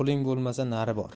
puling bo'lmasa nari bor